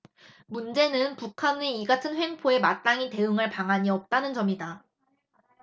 문제는 북한의 이 같은 횡포에 마땅히 대응할 방안이 없다는 점이다